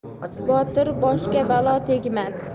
botir boshga balo tegmas